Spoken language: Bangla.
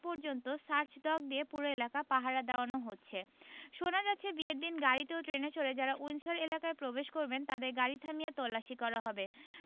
পর্যন্ত সার্চ ডগ দিয়ে পুরো এলাকা পাহারা দেওয়ানো হচ্ছে শোনা যাচ্ছে বিয়ের দিন গাড়িতে ও ট্রেনে চড়ে যাঁরা উইন্ডসর এলাকায় প্রবেশ করবেন তাঁদের গাড়ি থামিয়ে তল্লাশি করা হবে